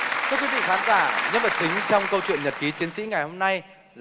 vị khán giả nhân vật chính trong câu chuyện nhật ký chiến sĩ ngày hôm nay